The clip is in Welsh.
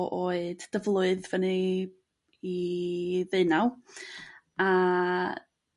o oed dyflwydd fyny i ddenaw a